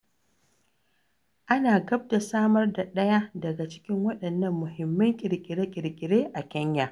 Ana gab da samar da ɗaya daga cikin waɗannan muhimman ƙirƙire-ƙirƙiren a Kenya.